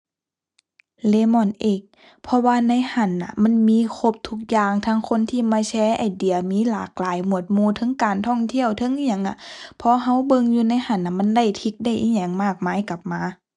Lemon8 เพราะว่าในหั้นน่ะ มันมีครบทุกอย่างทั้งคนที่มาแชร์ไอเดีย มีหลากหลายหมวดหมู่ เทิงการท่องเที่ยว เทิงอิหยังอะ พอเราเบิ่งอยู่ในหั้นน่ะ มันได้ทริกได้อิหยังมากมายกลับมา